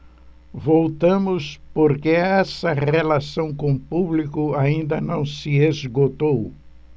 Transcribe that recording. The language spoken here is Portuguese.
voltamos porque essa relação com o público ainda não se esgotou